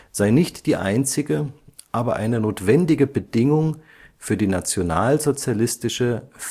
sei nicht die einzige, aber eine notwendige Bedingung für die nationalsozialistische Völkermordpolitik